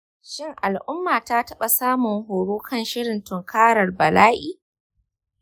shin al’umma ta taɓa samun horo kan shirin tunkarar bala’i?